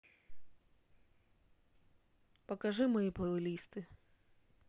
покажи мои плейлисты